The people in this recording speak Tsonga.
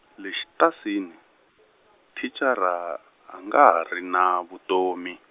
le xitasini, thicara a nga ha ri na vutomi.